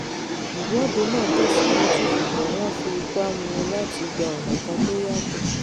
Ìwọ́de náà tẹ̀síwájú ṣùgbọn wọ́n fi ipá mú un láti gba ọ̀nà kan tó yàtọ̀.